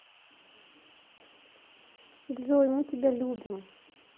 джой мы тебя любим